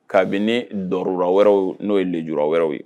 Kabini dɔ wɛrɛw n'o ye leula wɛrɛw ye